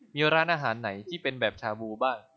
มีร้านอาหารไหนที่เป็นแบบชาบูบ้าง